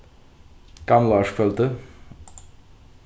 gamlaárskvøldi